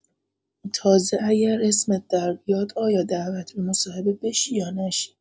تازه اگر اسمت دربیاد آیا دعوت به مصاحبه بشی یا نشی.